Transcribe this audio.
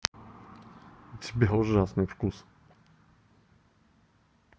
у тебя ужасный вкус